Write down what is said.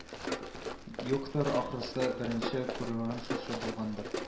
Юктыр ахрысы беренче күрүем шушы булгандыр